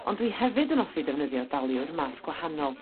Ond dwi hefyd yn offi defnyddio daliwr math gwahanol.